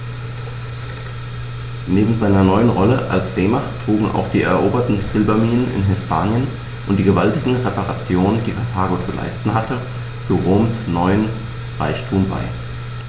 Neben seiner neuen Rolle als Seemacht trugen auch die eroberten Silberminen in Hispanien und die gewaltigen Reparationen, die Karthago zu leisten hatte, zu Roms neuem Reichtum bei.